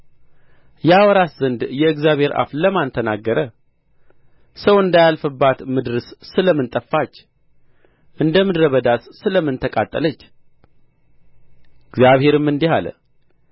ያወራስ ዘንድ የእግዚአብሔር አፍ ለማን ተናገረ ሰው እንዳያልፍባት ምድርስ ስለምን ጠፋች እንደ ምድረ በዳስ ስለ ምን ተቃጠለች እግዚአብሔርም እንዲህ አለ